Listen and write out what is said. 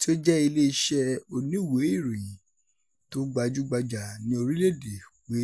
tí ó jẹ́ ilé iṣẹ́ oníwèé ìròyìn tó gbajúgbajà ní orílẹ̀-èdè pé: